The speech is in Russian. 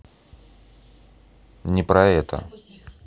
не про это